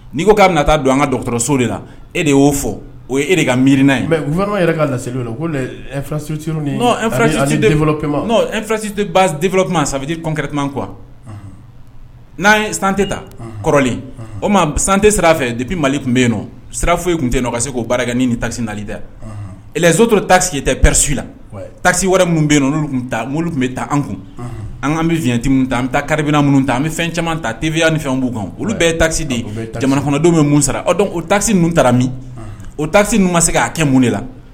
N'i ko k' na taa don an ka dɔgɔtɔrɔso de la e de y'o fɔ o e de ka miiriina yen yɛrɛ ka laeli'mapma sabati kɔnkɛ caman qu n'a ye san tɛ ta kɔrɔlen o ma san tɛ sira fɛ depi mali tun bɛ yen nɔ sira foyi tun tɛ ka se'o baara kɛ ni ni tasi nali dɛ so to tasi tɛɛresi la tasi wɛrɛ minnu bɛ yen olu tun bɛ taa an kun an kaan bɛ fiti tan an bɛ ta kariina minnu ta an bɛ fɛn caman ta tɛbiya ni fɛn b'u kan olu bɛɛ ye tasiden jamanadenw bɛ mun sara dɔn o tasi ninnu taara min o tasi ninnu ma se k'a kɛ mun de la